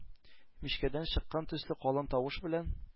Мичкәдән чыккан төсле калын тавыш белән: